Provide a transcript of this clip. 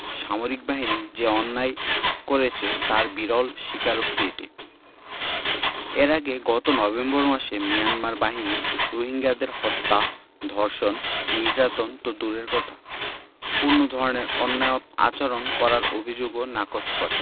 সামরিক বাহিনী যে অন্যায় করেছে তার বিরল স্বীকারোক্তি এটি এর আগে গত নভেম্বর মাসে মিয়ানমার বাহিনী রোহিঙ্গাদের হত্যা ধর্ষণ নির্যাতন তো দূরের কথা কোনো ধরনের অন্যায় আচরণ করার অভিযোগও নাকচ করে